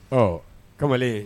Ɔ kamalen